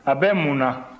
a bɛ mun na